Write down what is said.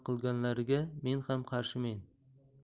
qilganlariga men ham qarshimen